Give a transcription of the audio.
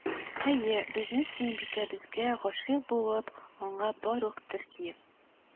Әйе, безнең Сөембикәбезгә гашыйк булып, аны барлык төрки